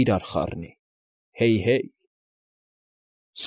Իրար խառնի, Հեյ֊հե՜յ։